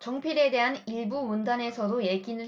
절필에 대한 일부 문단에서 얘기도